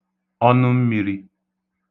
ọnụmmīrī